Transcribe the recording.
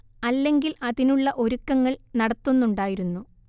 അല്ലെങ്കിൽ അതിനുള്ള ഒരുക്കങ്ങൾ നടത്തുന്നുണ്ടായിരുന്നു